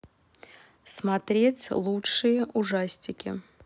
смотреть лучшие ужастики